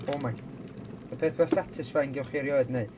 Oh my... y peth fwyaf satisfying gewch chi erioed wneud.